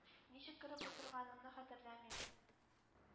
Ничек кереп утырганымны хәтерләмим.